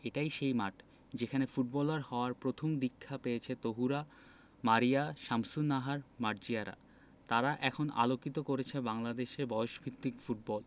যায় এটাই সেই মাঠ যেখানে ফুটবলার হওয়ার প্রথম দীক্ষা পেয়েছে তহুরা মারিয়া শামসুন্নাহার মার্জিয়ারা তারা এখন আলোকিত করছে বাংলাদেশের বয়সভিত্তিক ফুটবল